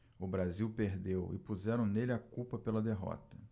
o brasil perdeu e puseram nele a culpa pela derrota